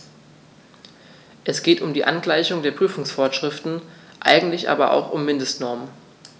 Es geht um die Angleichung der Prüfungsvorschriften, eigentlich aber auch um Mindestnormen.